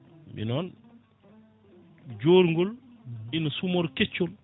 mbi noon jorgol ina sumora keccol